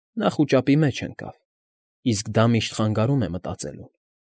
Նա խուճապի մեջ ընկավ, իսկ դա միշտ խանգարում է մտածելուն։